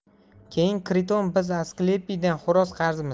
keyin kriton biz asklepiydan xo'roz qarzmiz